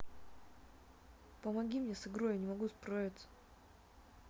помоги мне с игрой я не могу справиться